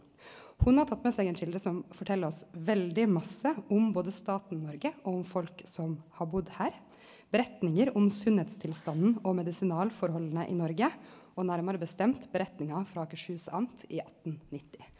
ho har tatt med seg ein kjelde som fortel oss veldig masse om både staten Noreg og om folk som har budd her, Beretninger om Sundhedstilstanden og Medicinalforholdene i Norge og nærare bestemt skildringa frå Akershus amt i attennitti.